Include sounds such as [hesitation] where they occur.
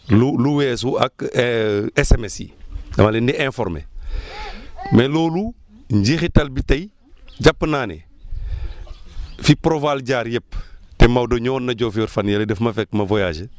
lu lu weesu ak [hesitation] SMS yi dama leen di informé [breath] mais loolu njeexital bi tey jàpp naa ne fi Proval jaar yëpp te Maodo ñëwoon na Diofior fan yële daf ma fekk ma voyagé